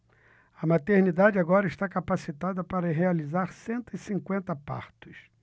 a maternidade agora está capacitada para realizar cento e cinquenta partos